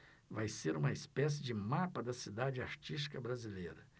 vai ser uma espécie de mapa da cidade artística brasileira